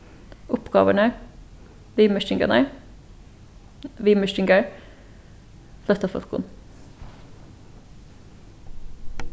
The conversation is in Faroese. uppgávurnar viðmerkingarnar viðmerkingar flóttafólkum